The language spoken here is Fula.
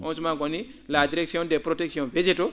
on suman ko nii la direction des protection végétaux